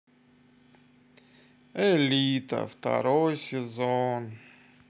элита второй сезон